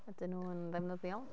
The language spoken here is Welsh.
Ydyn nhw'n ddefnyddiol?